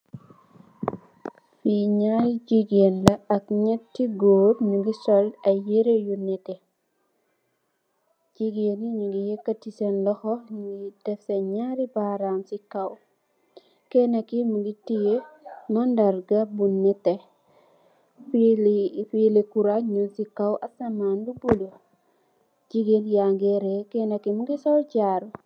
Fi ñyaari jigeen ak ñyénti gór ñugi sol ay yirèh yu netteh, jigeen yi ñu ngi yekati sèèn loxo def sèèn ñaari baram ci kaw. Kenna ki mugii teyeh mandarga bu netteh, fiili kuran ñing ci kaw asaman bu bula. Jigéen ya ngee réé Kenna ki mugii sol jaru.